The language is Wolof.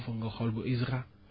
il faut nga xool bu ISRA